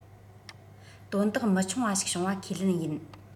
དོན དག མི ཆུང བ ཞིག བྱུང བ ཁས ལེན ཡིན